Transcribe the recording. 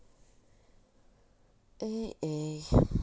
эй эй